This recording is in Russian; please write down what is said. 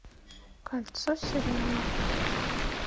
кольцо сериал